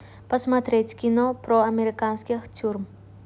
посмотреть кино про американских тюрьм